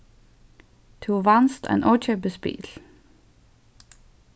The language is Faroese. tú vanst ein ókeypis bil